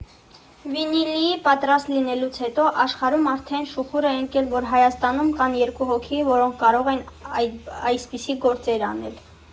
Վինիլի պատրաստ լինելուց հետո աշխարհում արդեն շուխուռ է ընկել, որ Հայաստանում կան երկու հոգի, որոնք կարող են այսպիսի գործեր անել։